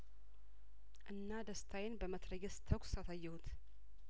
እና ደስታዬን በመትረየስ ተኩስ አሳየሁት